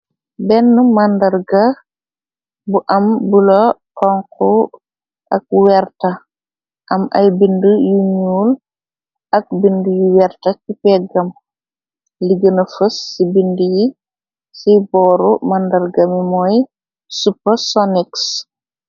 Benna màndarga bu am bulu xonku ak werta am ay binda yu ñuul ak binda yu werta ki peggam li gëna fës ci binda yi ci booru màndarga mi mooy supersonic.